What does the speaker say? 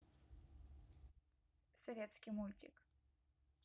советский мультик